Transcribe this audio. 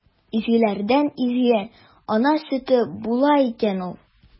Изгеләрдән изге – ана сөте була икән ул!